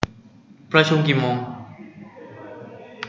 ประชุมกี่โมง